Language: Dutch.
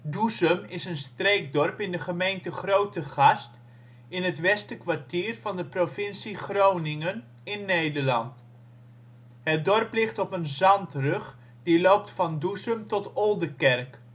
Doezum is een streekdorp in de gemeente Grootegast in het Westerkwartier van de provincie Groningen in Nederland. Het dorp ligt op een zandrug die loopt van Doezum tot Oldekerk